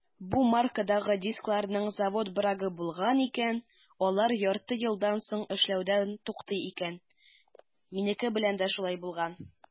Бу маркадагы дискларның завод брагы булган икән - алар ярты елдан соң эшләүдән туктый икән; минеке белән дә шулай булган.